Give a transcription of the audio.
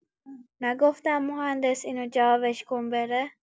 نگفتم مهندس اینو جوابش کن بره؟